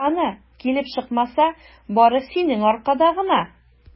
Кара аны, килеп чыкмаса, бары синең аркада гына!